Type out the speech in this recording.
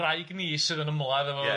Draig ni sydd yn ymladd efo... Ia.